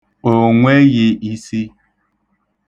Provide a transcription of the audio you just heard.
O nweghị isi.